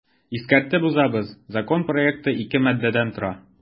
Искәртеп узабыз, закон проекты ике маддәдән тора.